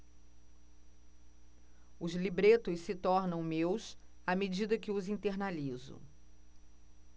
os libretos se tornam meus à medida que os internalizo